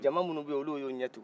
jaama minun bɛ ye ulu y'u ɲɛw tugun